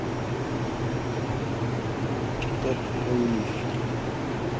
топ боевик